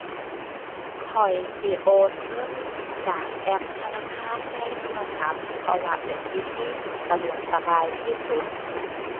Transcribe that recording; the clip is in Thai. ข้อยสิโอนเงินจากแอปธนาคารในโทรศัพท์ เพราะว่าเป็นวิธีที่สะดวกสบายที่สุด